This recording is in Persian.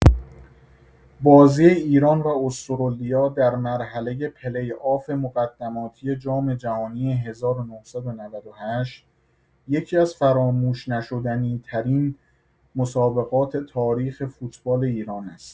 بازی ایران و استرالیا در مرحله پلی‌آف مقدماتی جام‌جهانی ۱۹۹۸ یکی‌از فراموش‌نشدنی‌ترین مسابقات تاریخ فوتبال ایران است.